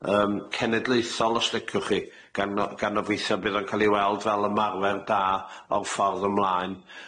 yym cenedlaethol os liciwch chi, gan o- gan obeithio bydd o'n ca'l i weld fel ymarfer da o'r ffordd ymlaen.